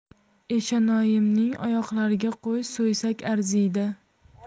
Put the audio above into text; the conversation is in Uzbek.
eshonoyimning oyoqlariga qo'y so'ysak arziydi